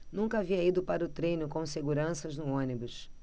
nunca havia ido para um treino com seguranças no ônibus